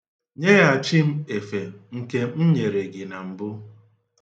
Nyeghachi m efe nke m nyere gị na mbụ.